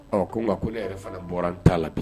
Ɔ ko nka ko ne yɛrɛ fana bɔra n taa la bi